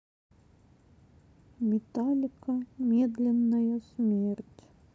металлика медленная смерть